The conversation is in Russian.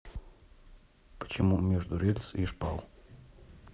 почему между рельс и шпал